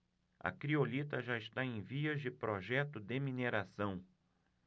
a criolita já está em vias de projeto de mineração